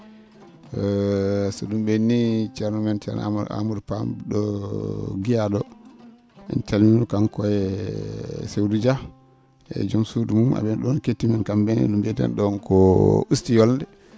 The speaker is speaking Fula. so ?um ?ennii ceerno men ceerno Amadou Amadou Pam ?o Guiya ?oo en calminii mo kanko e Sewdou Dia e jom suudu mum e?ena ?oon kettii kam?e ne mbiyeten ?oon ko ustu yolde